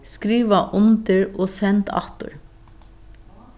skriva undir og send aftur